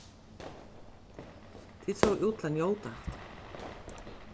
tit sóu út til at njóta hatta